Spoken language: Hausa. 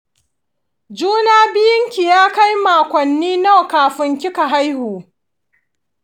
juna biyunki ya kai makonni nawa kafun kika haihu?